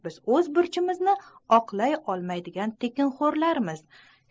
biz oz burchini oqlay olmaydigan tekinxorlarmiz